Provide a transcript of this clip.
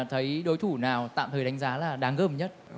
thấy đối thủ nào tạm thời đánh giá là đáng gờm nhất